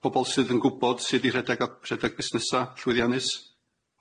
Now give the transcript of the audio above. pobol sydd yn gwbod sud i rhedeg a- rhedeg busnesa llwyddiannus.